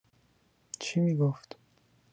چی می‌گفت